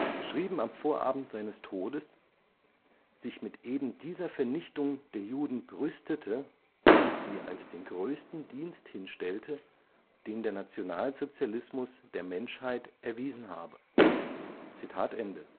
geschrieben am Vorabend seines Todes, sich mit eben dieser Vernichtung der Juden brüstete und sie als den größten Dienst hinstellte, den der Nationalsozialismus der Menschheit erwiesen habe